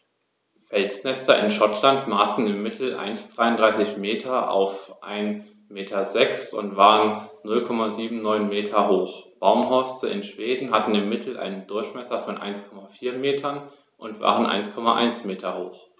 Felsnester in Schottland maßen im Mittel 1,33 m x 1,06 m und waren 0,79 m hoch, Baumhorste in Schweden hatten im Mittel einen Durchmesser von 1,4 m und waren 1,1 m hoch.